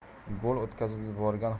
gol o'tkazib yuborgan